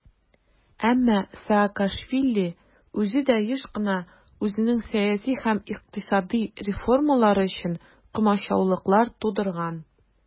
Әмма Саакашвили үзе дә еш кына үзенең сәяси һәм икътисади реформалары өчен комачаулыклар тудырган.